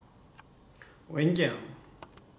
འོན ཀྱང